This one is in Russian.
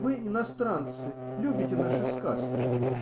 Вы, иностранцы, любите наши сказки.